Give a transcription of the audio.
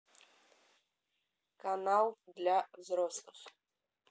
канал для взрослых